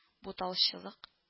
Буталчыклык